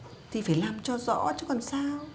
thì phải làm cho rõ chứ còn sao